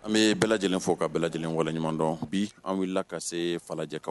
An bɛ bɛɛ lajɛlen fo ka bɛɛ lajɛlen kɔɲuman dɔn bi an wulila ka se falajɛkaw